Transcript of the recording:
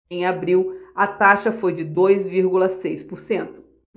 em abril a taxa foi de dois vírgula seis por cento